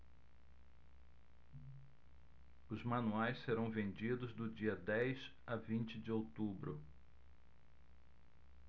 os manuais serão vendidos do dia dez a vinte de outubro